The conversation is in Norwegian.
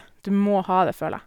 Du må ha det, føler jeg.